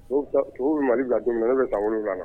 Sogo bɛ mali bila don minɛ ne bɛ san wolo nana